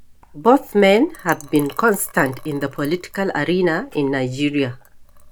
Both men have been constants in the political arena in Nigeria.